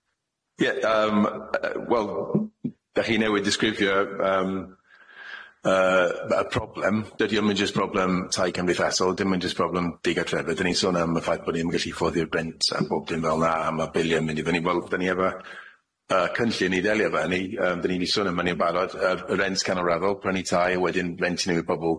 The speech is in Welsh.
Ie yym yy wel dach chi newid disgrifio yym yy ma' y problem dydi o'm yn jyst problem tai cymdeithasol dim yn jyst problem digatrefydd. Dyn ni'n sôn am y ffaith bo' ni ddim yn gallu ffoddi'r rent a bob dim fel na a ma' bilina'n mynd i fyny wel dyn ni efo yy cynllun i delio efo hynny yym dyn ni'n sôn am mynion barod yy y rent canol raddol prynu tai a wedyn rent i newid pobol.